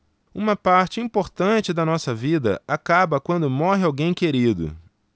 uma parte importante da nossa vida acaba quando morre alguém querido